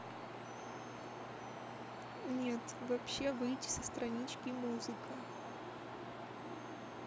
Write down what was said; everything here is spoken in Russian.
нет вообще выйти со странички музыка